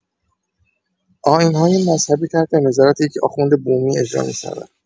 آیین‌های مذهبی تحت نظارت یک آخوند بومی اجرا می‌شود.